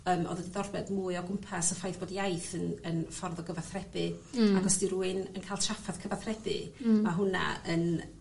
yym o'dd y diddordeb mwy o gwmpas y ffaith bod iaith yn yn ffordd o gyfathrebu. Hmm. Ac os 'di rywun yn ca'l traffarth cyfathrebu... Hmm. ...ma' hwnna yn